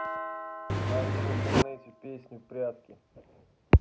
найти в интернете песню прятки